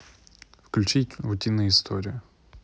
включи утиные истории